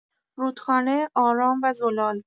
رودخانه آرام و زلال